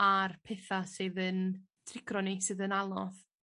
â'r petha sydd yn trigro ni sydd yn anodd.